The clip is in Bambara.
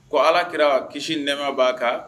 Ko alakira kisi ni nɛma b'a kan